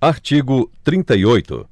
artigo trinta e oito